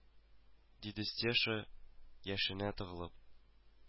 Диде стеша, яшенә тыгылып